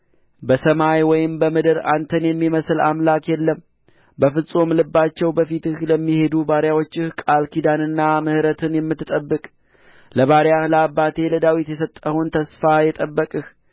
በሰማይ ወይም በምድር አንተን የሚመስል አምላክ የለም በፍጹም ልባቸው በፊትህ ለሚሄዱ ባሪያዎችህ ቃል ኪዳንንና ምሕረትን የምትጠብቅ ለባሪያህ ለአባቴ ለዳዊት የሰጠኸውን ተስፋ የጠበቀህ